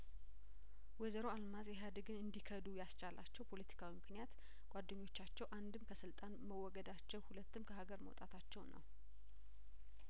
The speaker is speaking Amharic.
ወይዘሮ አልማዝ ኢህአዴግን እንዲከዱ ያስቻላቸው ፖለቲካዊ ምክንያት ጓደኞቻቸው አንድም ከስልጣን መወገዳቸው ሁለትም ከሀገር መውጣታቸው ነው